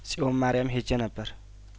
ጺዮን ማሪያም ሄጄ ነበር